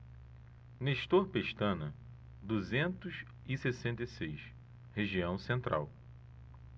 nestor pestana duzentos e sessenta e seis região central